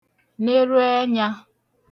neru ẹnyā